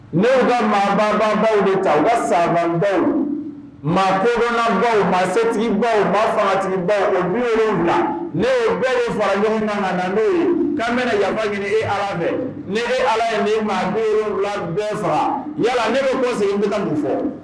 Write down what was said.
Ne ka maabanbaw de ta u ka sanbaw maalabaw ma setigi tigi uwula ne bɛɛ fara ɲɔgɔn kan na ye'a bɛna ɲini e ala fɛ ne e ala ye ni maawula fara yala ne bɛ bɔ segin n bɛ la kun fɔ